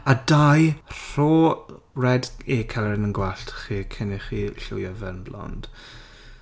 A dau, rho red hair colour yn gwallt chi cyn i chi lliwio fe'n blond.